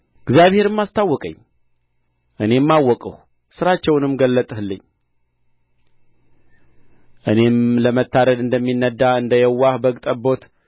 እግዚአብሔርም አስታወቀኝ እኔም አወቅሁ ሥራቸውንም ገለጥህልኝ እኔም ለመታረድ እንደሚነዳ እንደ የዋህ በግ ጠቦት